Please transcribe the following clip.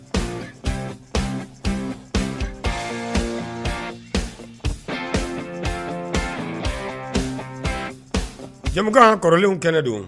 Jamukan kɔrɔlenw kɛnɛ don